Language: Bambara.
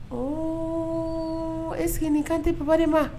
Ɔ ko eseke kan tɛ ma